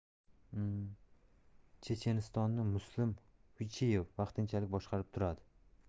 chechenistonni muslim xuchiyev vaqtinchalik boshqarib turadi